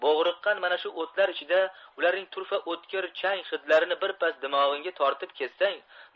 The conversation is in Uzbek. bo'g'riqqan mana shu o'tlar ichida ularning turfa o'tkir chang hidlarini birpas dimog'ingga tortib kezsang